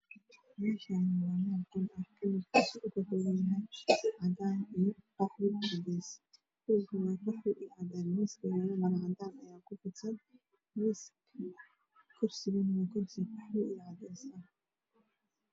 Meeshaan waa qol kalarkiisuna waa cadaan iyo qaxwi iyo cadeys. dhulkana waa qaxwi iyo cadeys roog cadaan ah ayaa kufidsan Miiska kursigana waa qaxwi iyo cadeys.